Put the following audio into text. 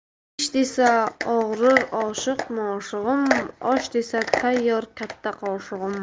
ish desa og'rir oshiq moshig'im osh desa tayyor katta qoshig'im